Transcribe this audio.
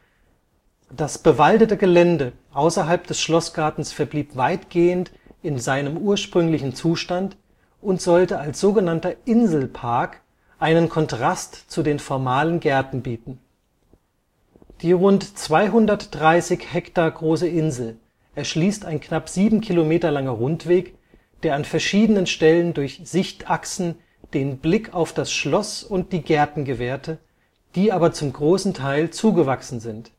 Das bewaldete Gelände außerhalb des Schlossgartens verblieb weitgehend in seinem ursprünglichen Zustand und sollte als sogenannter Inselpark einen Kontrast zu den formalen Gärten bieten. Die rund 230 Hektar große Insel erschließt ein knapp sieben Kilometer langer Rundweg, der an verschiedenen Stellen durch Sichtachsen den Blick auf das Schloss und die Gärten gewährte, die aber zum großen Teil zugewachsen sind